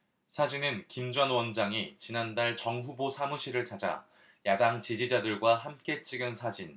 사진은 김 전 원장이 지난달 정 후보 사무실을 찾아 야당 지지자들과 함께 찍은 사진